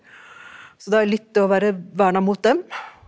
så det er jo litt å være verna mot dem.